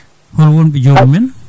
hol wonɓe joomumen